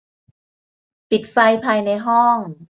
ปิดไฟภายในห้อง